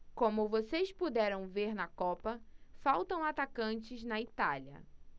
como vocês puderam ver na copa faltam atacantes na itália